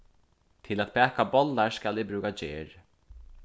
til at baka bollar skal eg brúka ger